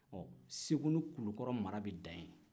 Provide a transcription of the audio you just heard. bon segu ni kulikɔrɔ mara bɛ dan yen